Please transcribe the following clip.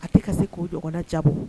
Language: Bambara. A tɛ ka se k'o jna jabugu